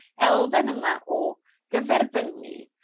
elfen yma o gyferbynnu,